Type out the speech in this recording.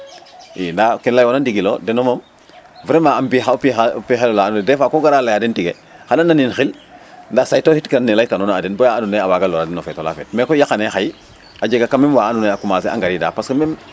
i ndaa ke layoona ndiiki ndigil lo deno moom vraiment a mbixaa o pixel ola andoona yee dés fois koo garaa layaa den ti' ye xana nannin xil ndaa seytoxiran ne laytanoona a den boo ya andoona yee a waaga lor a den feet ola feet mais koy yaqanee xaye a jega quand meme a commencer ngariida